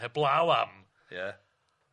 heblaw am ia